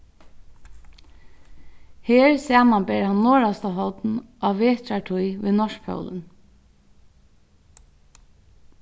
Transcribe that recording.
her samanber hann norðasta horn á vetrartíð við norðpólin